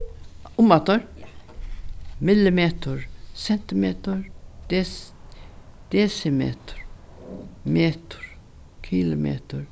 umaftur millimetur sentimetur desimetur metur kilometur